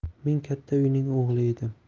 men katta uyning o'g'li edim